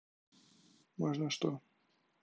можно что